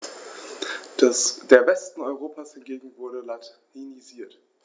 Der Westen Europas hingegen wurde latinisiert.